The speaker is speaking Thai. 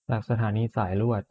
จากสถานีสายลวด